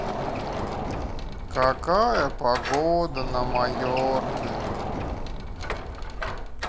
какая погода на майорке